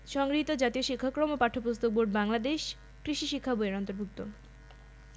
সংগৃহীত জাতীয় শিক্ষাক্রম ও পাঠ্যপুস্তক বোর্ড বাংলাদেশ কৃষি শিক্ষা বই এর অন্তর্ভুক্ত